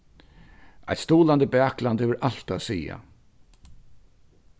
eitt stuðlandi bakland hevur alt at siga